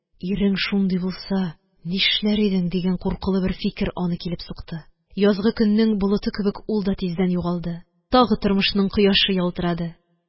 «ирең шундый булса, ни эшләр идең?» дигән куркулы бер фикер аны килеп сукты. язгы көннең болыты кебек, ул да тиздән югалды. тагы тормышның кояшы ялтырады.